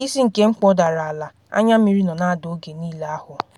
“Isi nke m kpọdara ala, anya mmiri nọ na ada oge niile ahụ.